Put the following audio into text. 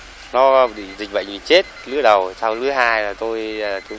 lo dịch bệnh chết lứa đầu sau lứa hai là tôi